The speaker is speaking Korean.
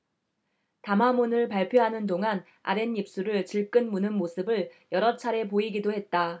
담화문을 발표하는 동안 아랫입술을 질끈 무는 모습을 여러차례 보이기도 했다